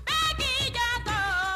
bɛ ɛk'i jan to!